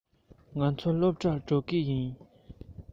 ང ཚོ སློབ གྲྭར འགྲོ གི ཡིན